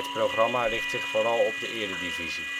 programma richt zich vooral op de Eredivisie